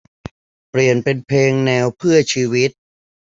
เปลี่ยนเป็นเพลงแนวเพื่อชีวิต